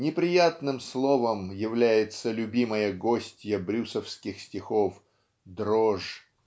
неприятным словом является любимая гостья брюсовских стихов -- "дрожь"